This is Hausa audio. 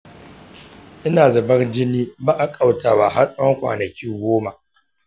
ina zubar da jini ba ƙaƙƙautawa har tsawon kwanaki goma.